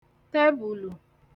tẹbùlù